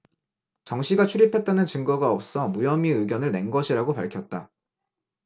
정씨가 출입했다는 증거가 없어 무혐의 의견을 낸 것이라고 밝혔다